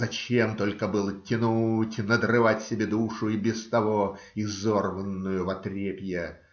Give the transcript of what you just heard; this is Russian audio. Зачем только было тянуть, надрывать себе душу, и без того изорванную в отрепье?